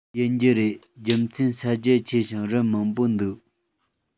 ཡིན རྒྱུ རེད རྒྱུ མཚན ས རྒྱ ཆེ ཞིང རི མང པོ འདུག